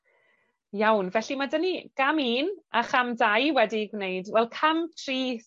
Iawn felly ma' 'dyn ni gam un a cham dau wedi 'u gwneud. Wel cam tri